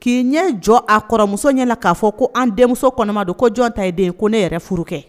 k'i ɲɛ jɔ a kɔrɔmuso ɲɛna la k'a fɔ ko an denmuso kɔnɔma don ko jɔn ta ye ko ne yɛrɛ furu kɛ